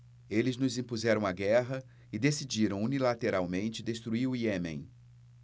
eles nos impuseram a guerra e decidiram unilateralmente destruir o iêmen